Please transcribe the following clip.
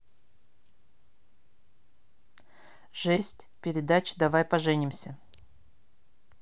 жесть в передаче давай поженимся